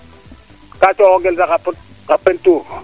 kaa coxo gel sax a put